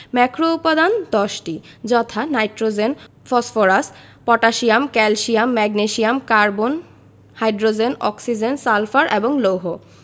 ম্যাক্রোউপাদান 10টি যথা nitrogen phosphorus potassium calcium magnesium carbon hydrogen oxygen sulphur এবং লৌহ